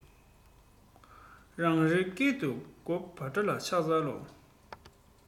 རང རེའི སྐད དུ གོ བརྡ ལ ཕྱག འཚལ ལོ